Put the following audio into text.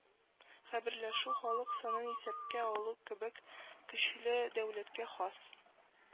Хәбәрләшү, халык санын исәпкә алу кебек көчле дәүләткә хас